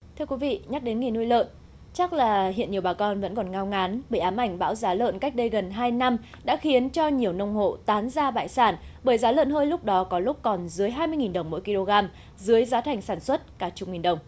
thưa quý vị nhắc đến nghề nuôi lợn chắc là hiện nhiều bà con vẫn còn ngao ngán bị ám ảnh bão giá lợn cách đây gần hai năm đã khiến cho nhiều nông hộ tán gia bại sản bởi giá lợn hơi lúc đó có lúc còn dưới hai mươi nghìn đồng mỗi ki lô gam dưới giá thành sản xuất cả chục nghìn đồng